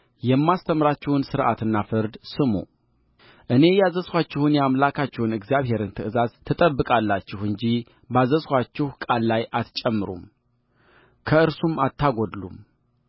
የማስተምራችሁን ሥርዓትና ፍርድ ስሙእኔ ያዘዝኋችሁን የአምላካችሁን የእግዚአብሔርን ትእዛዝ ትጠብቃላችሁ እንጂ ባዘዝኋችሁ ቃል ላይ አትጨምሩም ከእርሱም አታጎድሉም